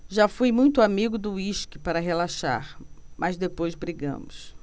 já fui muito amigo do uísque para relaxar mas depois brigamos